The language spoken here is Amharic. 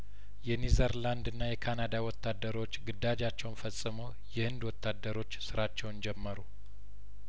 የኒዘርላንድና የካናዳ ወታደሮች ግዳጃቸውን ፈጸሙ የህንድ ወታደሮች ስራቸውን ጀመሩ